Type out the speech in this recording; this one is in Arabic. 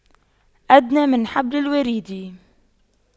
أدنى من حبل الوريد